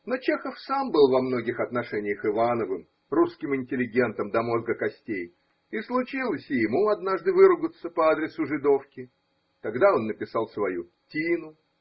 Но Чехов сам был во многих отношениях Ивановым, русским интеллигентом до мозга костей, и случилось и ему однажды выругаться по адресу жидовки. Тогда он написал свою Тину.